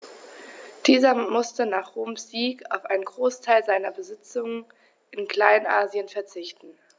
Dieser musste nach Roms Sieg auf einen Großteil seiner Besitzungen in Kleinasien verzichten.